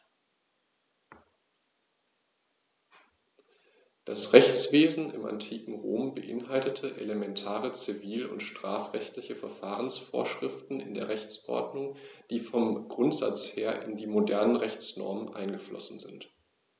Das Rechtswesen im antiken Rom beinhaltete elementare zivil- und strafrechtliche Verfahrensvorschriften in der Rechtsordnung, die vom Grundsatz her in die modernen Rechtsnormen eingeflossen sind.